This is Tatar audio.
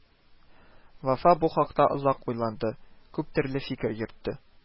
Вафа бу хакта озак уйлады, күптөрле фикер йөртте